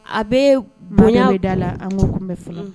A bɛ mya de da la an ko kun bɛ fɛ